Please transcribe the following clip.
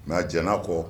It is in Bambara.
Mɛ jɛnɛ kɔ